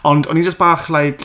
Ond o'n i jyst bach like...